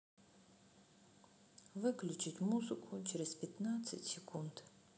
выключить музыку через пятнадцать секунд